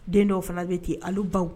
Den dɔw fana bɛ ten ale baw